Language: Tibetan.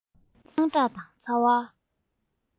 དངངས སྐྲག དང ཚ བ